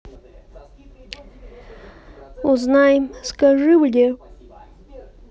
узнай скажи мне